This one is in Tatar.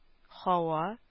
Һава